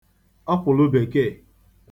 ọkwụ̀lụ bèkeè